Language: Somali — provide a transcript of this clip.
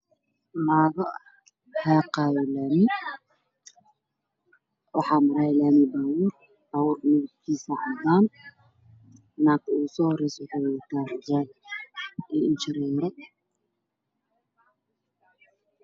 Waa maamooyin xaaqaayo laami. Laamiga waxaa maraayo baabuur cadaan ah. Naagta ugu soohoreyso waxay wadataa xijaab iyo indho shareer.